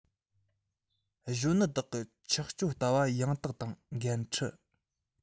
གཞོན ནུ དག གི ཆགས སྤྱོད ལྟ བ ཡང དག དང འགན འཁྲི